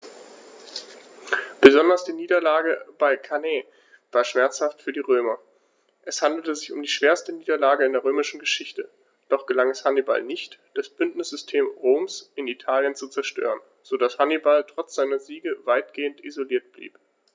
Besonders die Niederlage bei Cannae war schmerzhaft für die Römer: Es handelte sich um die schwerste Niederlage in der römischen Geschichte, doch gelang es Hannibal nicht, das Bündnissystem Roms in Italien zu zerstören, sodass Hannibal trotz seiner Siege weitgehend isoliert blieb.